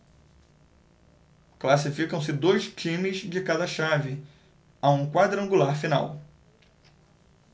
classificam-se dois times de cada chave a um quadrangular final